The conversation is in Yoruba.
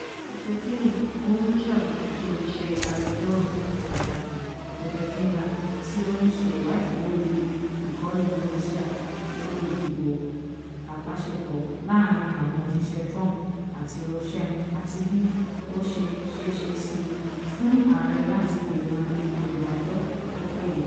Rosensteinní ó ń ṣàbójútó iṣẹ́ àgbẹjọ́rò pàtàkì Robert Mueller, tí ó ń ṣe ìwádìí lórí i ìkọlù Rọ́ṣíà lórí ìdìbò, ìbáṣepọ̀ láàrin àwọn òṣiṣẹ́ Trump àti Rọ́ṣíà àti bí ó ṣe ṣẹéṣe sí fún ààrẹ láti dènà ètò ìdájọ tó péye.